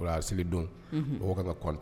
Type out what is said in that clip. O la seli don mɔgɔ ka kan ka cotent